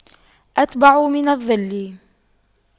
أتبع من الظل